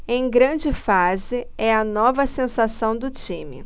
em grande fase é a nova sensação do time